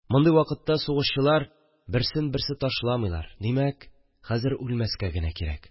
Мондый вакытта сугышчылар берсен берсе ташламыйлар – димәк, хәзер үлмәскә генә кирәк